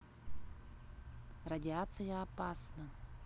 радиация опасна